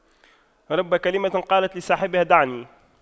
رب كلمة قالت لصاحبها دعني